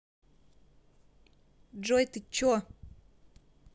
джой ты че